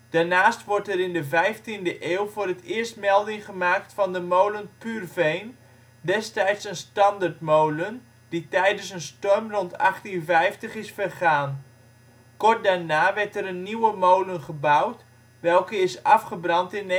Daarnaast wordt er in de 15de eeuw voor het eerst melding gemaakt van de molen Puurveen, destijds een standerdmolen die tijdens een storm rond 1850 is vergaan. Kort daarna werd er een nieuwe molen gebouwd, welke is afgebrand in